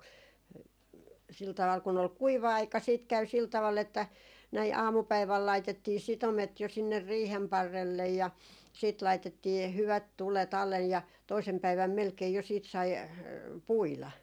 sillä tavalla kun oli kuiva aika sitten kävi sillä tavalla että näin aamupäivällä laitettiin sitomet jo sinne riihen parrelle ja sitten laitettiin - hyvät tulet alle ja toisena päivänä melkein jo sitten sai puida